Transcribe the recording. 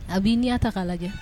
A b'i'ya ta k'a lajɛ